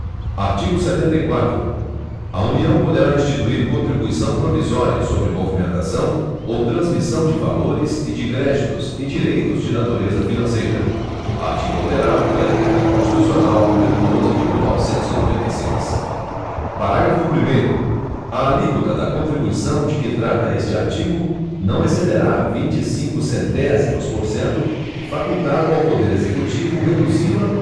artigo setenta e quatro a união poderá instituir contribuição provisória sobre movimentação ou transmissão de valores e de créditos e direitos de natureza financeira artigo alterado pela emenda constitucional número doze de mil novecentos e noventa e seis parágrafo primeiro a alíquota da contribuição de que trata este artigo não excederá vinte e cinco centésimos por cento facultado ao poder executivo reduzi la